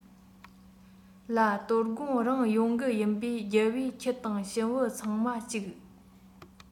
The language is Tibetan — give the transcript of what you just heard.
ལ དོ དགོང རང ཡོང གི ཡིན པས རྒྱལ པོས ཁྱི དང ཞུམ བུ ཚང མ བཅུག